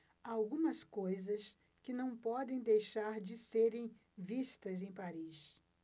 há algumas coisas que não podem deixar de serem vistas em paris